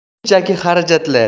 bu shunchaki xarajatlar